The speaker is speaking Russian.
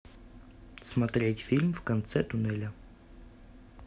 смотреть фильм в конце туннеля